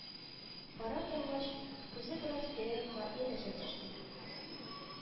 Бара торгач, күзе бераз тирә-якка ияләшә төште